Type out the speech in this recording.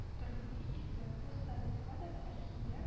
Тормый иде, поссоветка да фәрхия